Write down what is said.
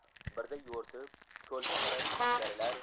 birda yo'rtib cho'lga qarab ichkarilar